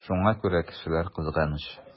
Шуңа күрә кешеләр кызганыч.